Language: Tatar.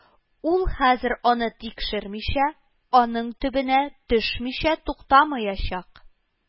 Ул хәзер аны тикшермичә, аның төбенә төшмичә туктамаячак